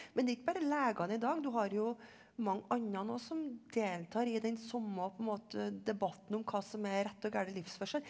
men det er ikke bare legene i dag, du har jo mange andre òg som deltar i den samme på en måte debatten om hva som er rett og gal livsførsel.